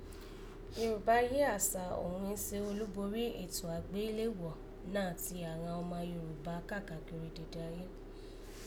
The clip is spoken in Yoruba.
Yorùbá jí àsà òghún se olúborí ètò àgbéléwò náà ti àghan ọma Yorùbá káàkiri dede ayé